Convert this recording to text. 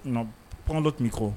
Non, prend l'autre micro